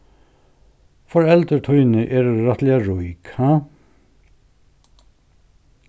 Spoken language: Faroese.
foreldur tíni eru rættiliga rík ha